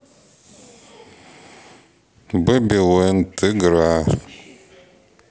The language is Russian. бэби лэнд игра